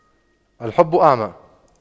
الحب أعمى